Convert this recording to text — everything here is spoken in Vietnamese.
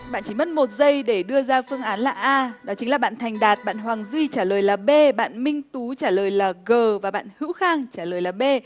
bạn chỉ mất một giây để đưa ra phương án là a đó chính là bạn thành đạt bạn hoàng duy trả lời là bê bạn minh tú trả lời là gờ và bạn hữu khang trả lời là bê